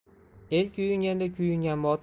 el kuyunganda kuyungan botir